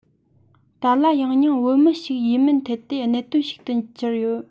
ཏཱ ལ ཡང སྙིང བོད མི ཞིག ཡིན མིན ཐད དེ གནད དོན ཞིག ཏུ གྱུར ཡོད